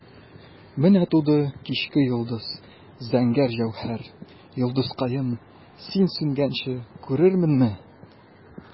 Менә туды кичке йолдыз, зәңгәр җәүһәр, йолдызкаем, син сүнгәнче күрерменме?